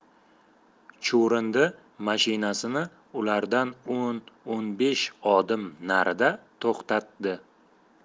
chuvrindi mashinasini ulardan o'n o'n besh odim narida to'xtatdi